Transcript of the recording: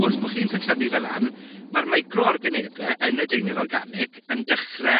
wrth bo' chi'n pentyrru fe lan, ma'r meicro organebe yn y deunydd organic yn dechre